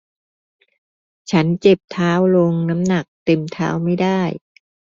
ฉันเจ็บเท้าลงน้ำหนักเต็มเท้าไม่ได้